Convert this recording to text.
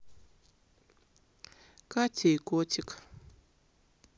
катя и котик